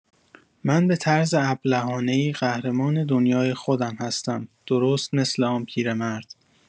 من به طرز ابلهانه‌ای قهرمان دنیای خودم هستم درست مثل آن پیر مرد.